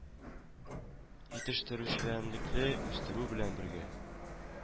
Итештерүчәнлекне үстерү белән бергә